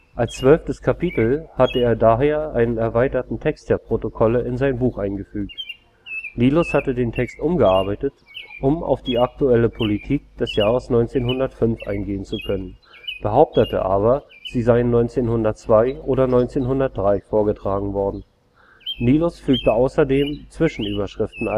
Als zwölftes Kapitel hatte er daher einen erweiterten Text der Protokolle in sein Buch eingefügt. Nilus hatte den Text umgearbeitet, um auf die aktuelle Politik des Jahres 1905 eingehen zu können, behauptete aber, sie seien 1902 oder 1903 vorgetragen worden. Nilus fügte zudem Zwischenüberschriften